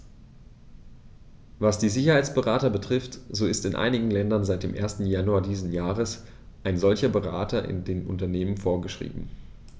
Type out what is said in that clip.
Was die Sicherheitsberater betrifft, so ist in einigen Ländern seit dem 1. Januar dieses Jahres ein solcher Berater in den Unternehmen vorgeschrieben.